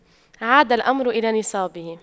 عاد الأمر إلى نصابه